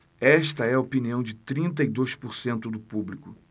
esta é a opinião de trinta e dois por cento do público